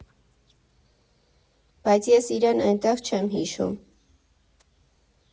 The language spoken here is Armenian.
Բայց ես իրեն էնտեղ չեմ հիշում։